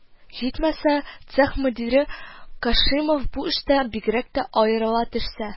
Җитмәсә, цех мөдире Кашимов бу эштә бигрәк тә аерыла төшсә